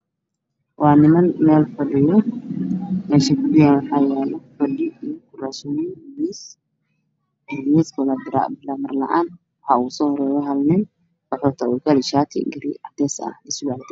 Halkaan waxaa ka muuqdo niman ku fadhiyo kuraas oo ay miiska ku hareeraysan yihiin buugaagna ay miiska saaran yihiin